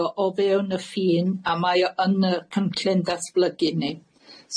o o fewn y ffin a mae o yn y cynllun datblygu ni.